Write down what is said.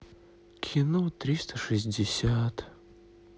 кино триста шестьдесят